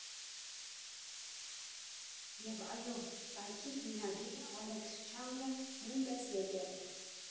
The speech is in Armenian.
ԵՒ այո, կայքի հիմնադիր Ալեքս Չանգը նույնպես եկել էր։